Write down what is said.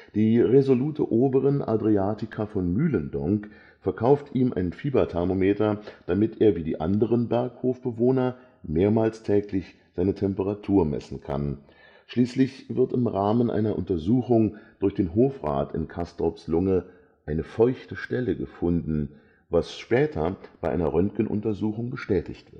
Die resolute Oberin Adriatica von Mylendonk verkauft ihm ein Fieberthermometer, damit er, wie die anderen Berghofbewohner, mehrmals täglich seine Temperatur messen kann. Schließlich wird im Rahmen einer Untersuchung durch den Hofrat in Castorps Lunge eine „ feuchte Stelle “gefunden, was später bei einer Röntgenuntersuchung bestätigt